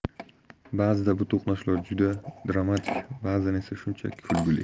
ba'zida bu to'qnashuvlar juda dramatik ba'zan esa shunchaki kulgili